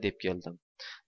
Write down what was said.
deb keldim